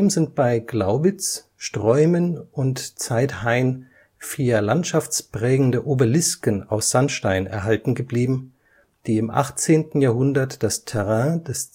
sind bei Glaubitz, Streumen und Zeithain vier landschaftsprägende Obelisken aus Sandstein erhalten geblieben, die im 18. Jahrhundert das Terrain des